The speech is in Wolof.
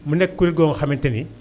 mu nekk kuréel go nga xamante ni